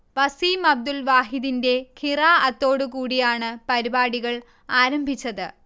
വസീംഅബ്ദുൽ വാഹിദിന്റെ ഖിറാഅത്തോട് കൂടിയാണ് പരിപാടികൾ ആരംഭിച്ചത്